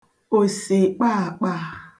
òsèkpaàkpaà